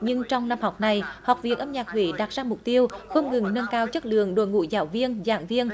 nhưng trong năm học này học viện âm nhạc huế đặt ra mục tiêu không ngừng nâng cao chất lượng đội ngũ giáo viên giảng viên